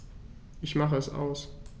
Ich mache es aus.